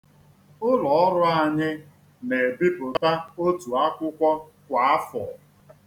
Ụlọọrụ anyị na-ebipụta otu akwụkwọ kwa afọ.